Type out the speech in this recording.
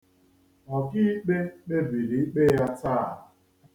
Ọkiikpe kpebiri ikpe ya taa.